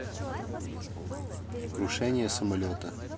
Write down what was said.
крушение самолета